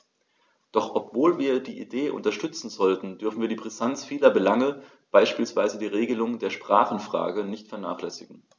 Doch obwohl wir die Idee unterstützen sollten, dürfen wir die Brisanz vieler Belange, beispielsweise die Regelung der Sprachenfrage, nicht vernachlässigen.